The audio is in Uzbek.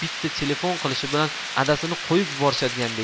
bitta telefon qilishi bilan adasini qo'yib yuborishadigandek